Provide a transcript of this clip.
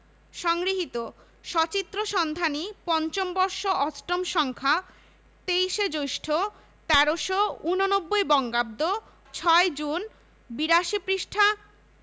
সংগৃহীত সচিত্র সন্ধানী৫ম বর্ষ ৮ম সংখ্যা ২৩ জ্যৈষ্ঠ ১৩৮৯ বঙ্গাব্দ৬ জুন৮২ পৃষ্ঠা